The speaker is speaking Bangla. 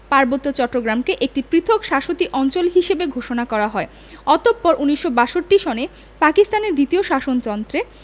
পার্বত্য চট্টগ্রামকে একটি পৃথক শাসতি অঞ্চল হিসেবে ঘোষণা করা হয়্ অতপর ১৯৬২ সনে পাকিস্তানের দ্বিতীয় শাসনতন্ত্রে